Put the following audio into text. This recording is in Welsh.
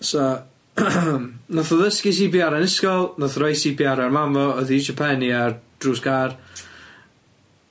So nath nath o ddysgu See Pee Are yn ysgol, nath o roi See Pee Are ar mam o o'dd 'i pen 'i ar drws car